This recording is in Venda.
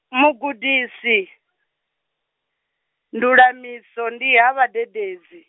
vhugudisindulamiso ndi ha vhadededzi.